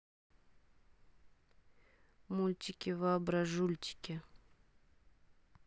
мультики воображультики